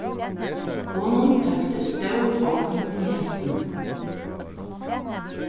honum tókti stór ogn í hestinum